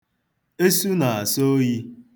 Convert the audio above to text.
Esu na-asọ oyi.